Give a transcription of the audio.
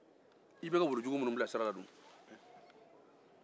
i bɛka wulujugu minnu bila sir ala dun